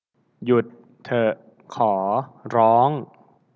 หยุดเถอะขอร้อง